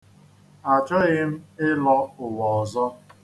Achọghị m ịlọ ụwa ọzọ.